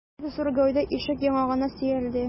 Бик зур гәүдә ишек яңагына сөялде.